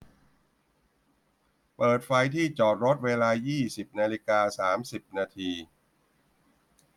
เปิดไฟที่จอดรถเวลายี่สิบนาฬิกาสามสิบนาที